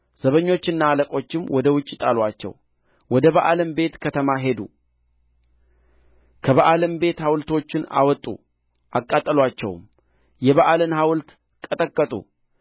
ዘበኞችና አለቆችም ወደ ውጭ ጣሉአቸው ወደ በኣልም ቤት ከተማ ሄዱ ከበኣልም ቤት ሐውልቶቹን አወጡ አቃጠሉአቸውም የበኣልን ሐውልት ቀጠቀጡ